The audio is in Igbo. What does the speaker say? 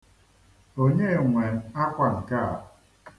Onye nwe akwa nke a?